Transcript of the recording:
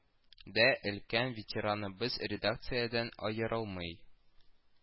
Да өлкән ветераныбыз редакциядән аерылмый